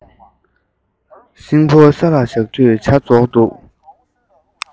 ཤུགས ཀྱིས ཁམ གང བཏུངས སོང